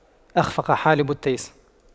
أَخْفَقَ حالب التيس